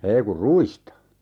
ei kun ruista